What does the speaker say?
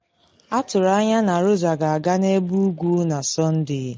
Atụrụ anya na Rosa ga-aga n’ebe ugwu na Sọnde.